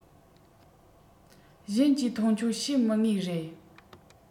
གཞན གྱིས མཐོང ཆུང བྱེད མི ངེས རེད